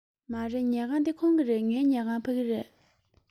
མ རེད ཉལ ཁང འདི ཁོང གི རེད ངའི ཉལ ཁང ཕ གི རེད